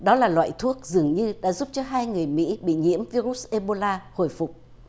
đó là loại thuốc dường như đã giúp cho hai người mỹ bị nhiễm vi rút ê bô la hồi phục